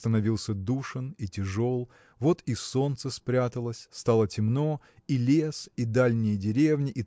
становился душен и тяжел Вот и солнце спряталось. Стало темно. И лес и дальние деревни